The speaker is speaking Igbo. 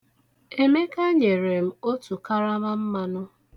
Emeka nyere m otu karama mmanụ.